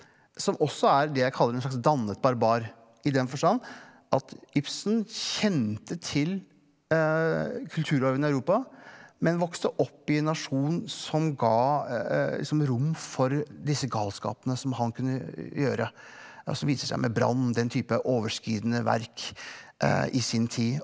som også er det jeg kaller en slags dannet barbar i den forstand at Ibsen kjente til kulturarven i Europa men vokste opp i en nasjon som ga liksom rom for disse galskapene som han kunne gjøre ja som viser seg med Brand den type overskridende verk i sin tid.